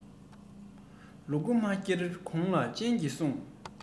ལུ གུ མ འཁྱེར གོང ལ སྤྱང ཀི སྲུངས